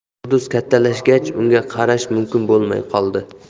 yulduz kattalashgach unga qarash mumkin bo'lmay qoldi